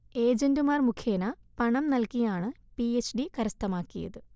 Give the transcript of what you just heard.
ഏജൻറുമാർ മുഖേന പണം നൽകിയാണ് പി എച്ച് ഡി കരസ്ഥമാക്കിയത്